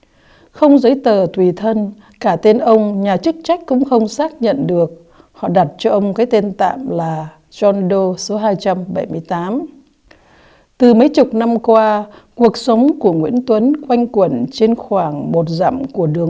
không giấy tờ tùy thân cả tên ông nhà chức trách cũng không xác nhận được họ đặt cho ông cái tên tạm là rôn đô số hai trăm bảy mươi tám từ mấy chục năm qua cuộc sống của nguyễn tuấn quanh quẩn trên khoảng một dặm của đường